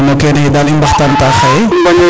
axa no kene daal i mbaxtan ta xaye,